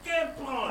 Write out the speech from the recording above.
Den kuma